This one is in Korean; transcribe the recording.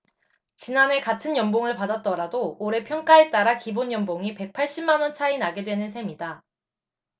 지난해 같은 연봉을 받았더라도 올해 평가에 따라 기본연봉이 백 팔십 만원 차이 나게 되는 셈이다